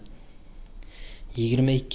yigirma ikkinchi